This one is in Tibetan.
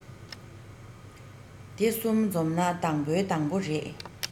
དེ གསུམ འཛོམས ན དང པོའི དང པོ རེད